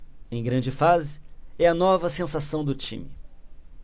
em grande fase é a nova sensação do time